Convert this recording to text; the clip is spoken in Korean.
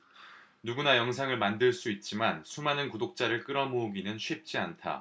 누구나 영상을 만들 수 있지만 수많은 구독자를 끌어 모으기는 쉽지 않다